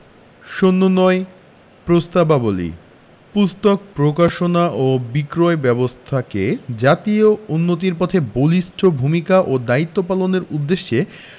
০৯ প্রস্তাবাবলী পুস্তক প্রকাশনা ও বিক্রয় ব্যাবস্থাকে জাতীয় উন্নতির পথে বলিষ্ঠ ভূমিকা ও দায়িত্ব পালনের উদ্দেশ্যে